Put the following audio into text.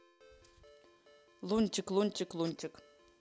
лунтик лунтик лунтик